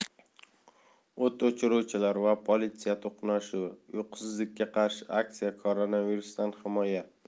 o't o'chiruvchilar va politsiya to'qnashuvi uyqusizlikka qarshi aksiya koronavirusdan himoya